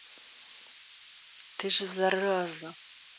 ты же зараза